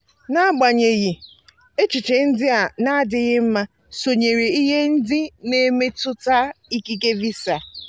N'agbanyeghị, echiche ndị a n'adịghị mma, sonyere ihe ndị na-emetụta ikike Visa: